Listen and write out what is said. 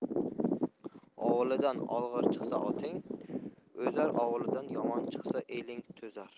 ovulingdan olg'ir chiqsa oting o'zar ovulingdan yomon chiqsa eling to'zar